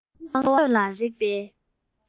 ཚོར བ དངོས ལ རེག པའི